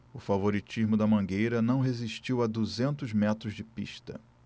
o favoritismo da mangueira não resistiu a duzentos metros de pista